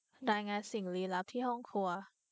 รายงานสิ่งลี้ลับที่ห้องครัว